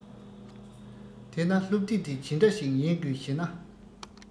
དེ ན སློབ དེབ དེ ཇི འདྲ ཞིག ཡིན དགོས ཞེ ན